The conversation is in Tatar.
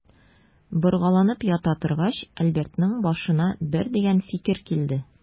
Боргаланып ята торгач, Альбертның башына бер дигән фикер килде.